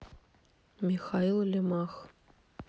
михаил лемах